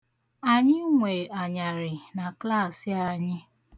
Anyị nwe anyarị na klasị anyị.